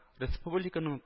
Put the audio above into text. Республиканың